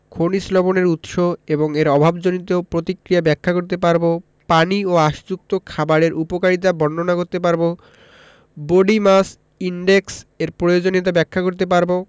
খনিজ লবণের উৎস এবং এর অভাবজনিত প্রতিক্রিয়া ব্যাখ্যা করতে পারব পানি ও আশযুক্ত খাবারের উপকারিতা বর্ণনা করতে পারব বডি মাস ইনডেক্স এর প্রয়োজনীয়তা ব্যাখ্যা করতে পারব